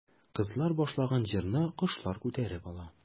Кызлар башлаган җырны кошлар күтәреп ала.